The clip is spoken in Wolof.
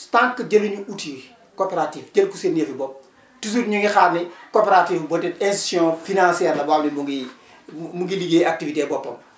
tant que jëluñu outil bi coopérative jël ko seen yëfi bopp toujours ñu ngi xaar ne coopérative bi peut être institution financière la wala mu ngi mu ngi liggéey activité boppam